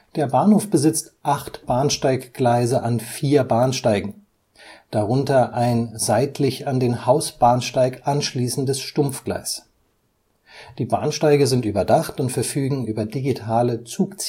Der Bahnhof besitzt acht Bahnsteiggleise an vier Bahnsteigen, darunter ein seitlich an den Hausbahnsteig anschließendes Stumpfgleis. Die Bahnsteige sind überdacht und verfügen über digitale Zugzielanzeiger